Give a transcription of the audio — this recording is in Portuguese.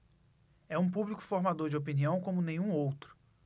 é um público formador de opinião como nenhum outro